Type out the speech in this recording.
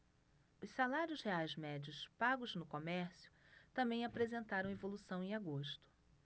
os salários reais médios pagos no comércio também apresentaram evolução em agosto